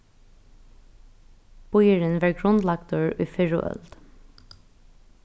býurin varð grundlagdur í fyrru øld